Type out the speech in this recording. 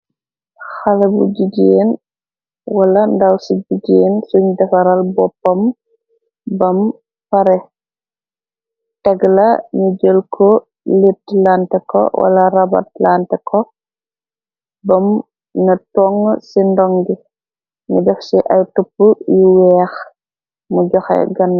Xale bu jijeen wala ndaw ci jijeen suñ defaral boppam bam fare. Teg la ni jël ko litlant ko wala rab atlant ko bam. Na toŋg ci ndoŋgi ni def ci ay tupp yu weex mu joxe gann.